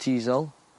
Teasle.